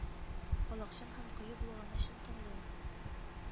Халыкчан һәм кыю булганы өчен тыңлыйм